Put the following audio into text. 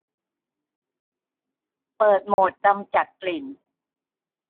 เปิดโหมดกำจัดกลิ่น